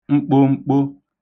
mkpomkpo